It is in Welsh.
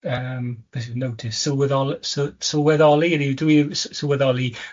yym let's see, notice, sylweddol- sy- sylweddoli ydi. Dwi'n s- sylweddoli